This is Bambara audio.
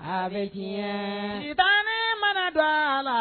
Saba bamanan mana dɔ a la